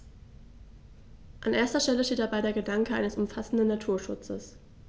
An erster Stelle steht dabei der Gedanke eines umfassenden Naturschutzes.